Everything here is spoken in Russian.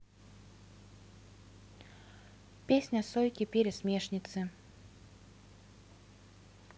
песня сойки пересмешницы